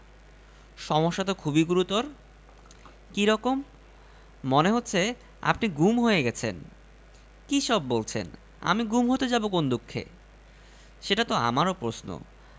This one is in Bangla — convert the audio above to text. সমস্যা তো খুবই গুরুতর কী রকম মনে হচ্ছে আপনি গুম হয়ে গেছেন কী সব বলছেন আমি গুম হতে যাব কোন দুঃখে সেটা তো আমারও প্রশ্ন